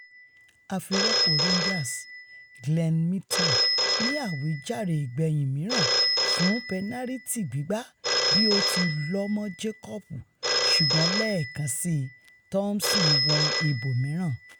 Àfirọ́pò Rangers Glenn Middleton ni àwíjàre ìgbẹ̀yìn mìíràn fún pẹnariti gbígbá bí o ti lọ́ mọ́ Jacobs ṣùgbọ́n lẹ́èkan síi Thomsom wo ibòmíràn.